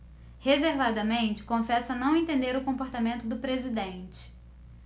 reservadamente confessa não entender o comportamento do presidente